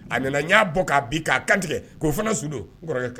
A nana'a bɔ ka k' kantigɛ k' o fana su